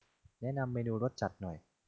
แนะนำเมนูรสจัดหน่อย